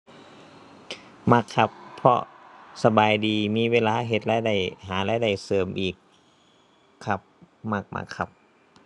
มักครับ เพราะสบายดีมีเวลาเฮ็ดรายได้ หารายได้เสริมอีก ครับ มักมักครับ